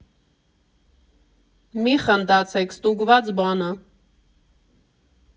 Մի խնդացեք, ստուգված բան ա։